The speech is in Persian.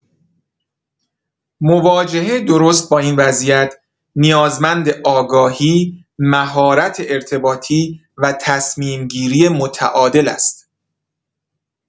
مواجهه درست با این وضعیت، نیازمند آگاهی، مهارت ارتباطی و تصمیم‌گیری متعادل است.